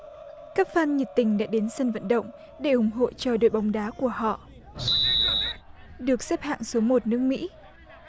các phan nhiệt tình để đến sân vận động để ủng hộ cho đội bóng đá của họ được xếp hạng số một nước mỹ